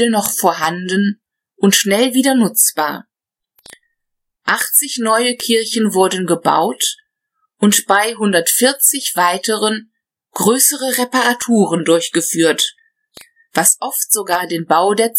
noch vorhanden und schnell wieder nutzbar. 80 neue Kirchen wurden gebaut und bei 140 weiteren größere Reparaturen durchgeführt, was oft sogar den Bau der